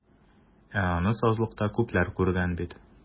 Ә аны сазлыкта күпләр күргән бит.